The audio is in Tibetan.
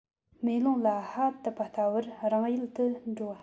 མེ ལོང ལ ཧ བཏབ པ ལྟ བུར རང ཡལ དུ འགྲོ བ